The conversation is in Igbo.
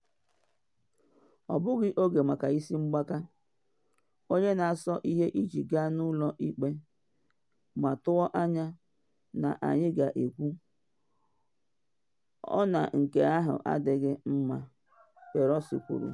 “Ọ bụghị oge maka isi mgbaka, onye na asọ ihe iji gaa n’ụlọ ikpe ma tụọ anya na anyị ga-ekwu, “ọ na nke ahụ adịghị mma,”” Pelosi kwuru.